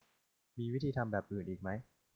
มีวิธีทำแบบอื่นอีกไหม